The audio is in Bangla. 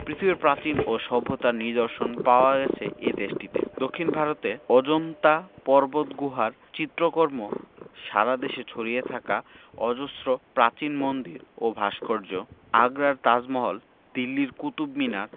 পৃথিবীর প্রাচীন ও সভ্যতার নিদর্শন পাওয়া গেছে এ দেশটিতে দক্ষিন ভারতে অজন্তা পর্বতগুহার চিত্রকর্ম সারা দেশে ছড়িয়ে থাকা অজস্র প্রাচীন মন্দির ও ভাস্কর্য আগ্রার তাজমহল দিল্লির কুতুব মিনার